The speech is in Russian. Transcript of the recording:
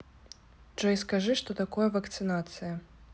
джой скажи что такое вакцинация